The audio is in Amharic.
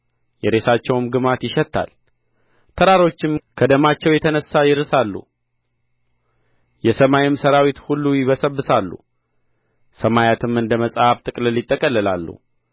የሬሳቸውም ግማት ይሸታል ተራሮችም ከደማቸው የተነሣ ይርሳሉ የሰማይም ሠራዊት ሁሉ ይበሰብሳሉ ሰማያትም እንደ መጽሐፍ ጥቅልል ይጠቀለላሉ